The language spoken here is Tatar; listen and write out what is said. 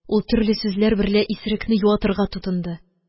Ул төрле сүзләр берлә исерекне юатырга тотынды.